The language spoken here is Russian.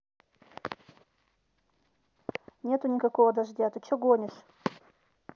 нету никакого дождя ты че гонишь